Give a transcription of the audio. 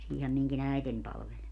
siinähän minunkin äitini palveli